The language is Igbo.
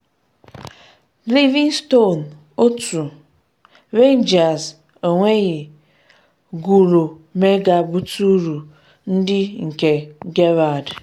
Livingston 1-0 Rangers: Goolu Menga buturu ndị nke Gerrard